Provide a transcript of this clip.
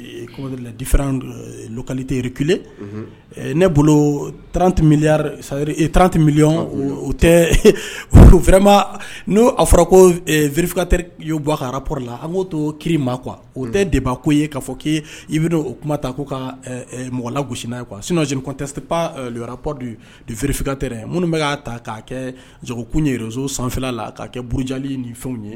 Lara lkali tɛyikile ne bolotiriranti mi tɛma n'o aa fɔra ko vf buwarapla a b'o to kiri ma kuwa o tɛ deba ko ye ka'a fɔ k'e i bɛ don o kuma ta ko ka mɔgɔla gosiina ye kuwa sinoz kɔntesip lrapdufinkatɛ minnu bɛ'a ta k'a kɛ zgokun ye z sanfɛfɛ la kaa kɛurujali ni fɛnw ye